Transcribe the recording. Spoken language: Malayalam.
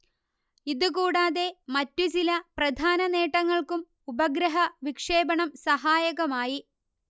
ഇതുകൂടാതെ മറ്റു ചില പ്രധാന നേട്ടങ്ങൾക്കും ഉപഗ്രഹവിക്ഷേപണം സഹായകമായി